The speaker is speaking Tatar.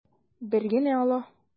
Бер генә ала.